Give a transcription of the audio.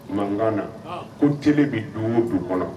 Mankan na ɔn ko télé bɛ du o du kɔnɔ